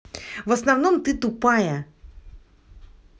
в основном ты тупая